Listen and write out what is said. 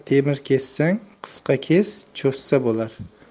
temir kessang qisqa kes cho'zsa bo'lar